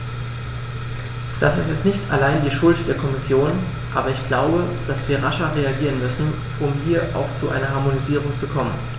Das ist jetzt nicht allein die Schuld der Kommission, aber ich glaube, dass wir rascher reagieren müssen, um hier auch zu einer Harmonisierung zu kommen.